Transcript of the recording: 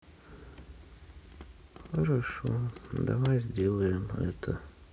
хорошо давай сделаем это